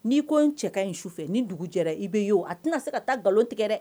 N'i ko n cɛ ka ɲi su fɛ ni dugu jɛra i bɛ yen a tɛna se ka taa nkalon tigɛ dɛ